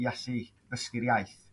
i allu dysgu'r iaith.